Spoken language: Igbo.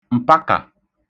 m̀pakà